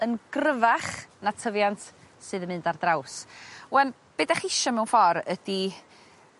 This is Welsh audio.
yn gryfach na tyfiant sydd yn mynd ar draws 'wan be' 'dach chi isio mewn ffor ydi